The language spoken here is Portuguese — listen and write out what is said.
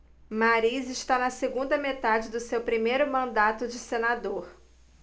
mariz está na segunda metade do seu primeiro mandato de senador